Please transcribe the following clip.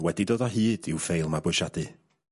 ...wedi dod o hyd i'w ffeil mabwysiadu.